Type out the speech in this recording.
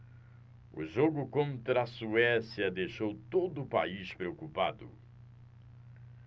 o jogo contra a suécia deixou todo o país preocupado